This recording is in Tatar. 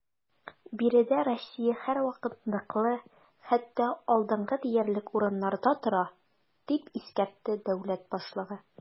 Биредә Россия һәрвакыт ныклы, хәтта алдынгы диярлек урыннарда тора, - дип искәртте дәүләт башлыгы.